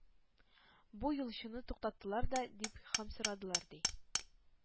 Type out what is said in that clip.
Бу юлчыны туктаттылар да, ди, һәм сорадылар, ди: